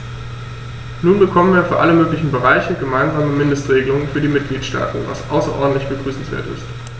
Nun bekommen wir für alle möglichen Bereiche gemeinsame Mindestregelungen für die Mitgliedstaaten, was außerordentlich begrüßenswert ist.